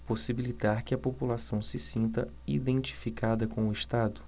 possibilitar que a população se sinta identificada com o estado